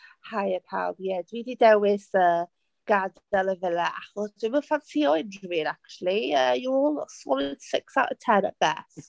Haia pawb, ie, dwi 'di dewis yy gadael y villa achos dwi'm yn ffansio unrhyw un acshyli. You all scored a six out of ten at best.